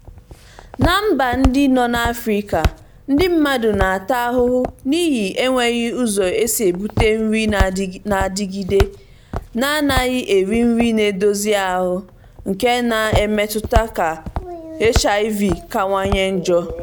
Na mba ndị nọ n'Afrịka, ndị mmadụ na-ata ahụhụ n'ihi enweghị ụzọ esi ebuta nrị na-adigide, na anaghị eri nri na-edozi ahụ nke na-eme mmetụta nke HIV kawanye njọ.